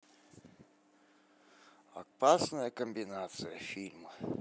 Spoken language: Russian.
опасная комбинация фильм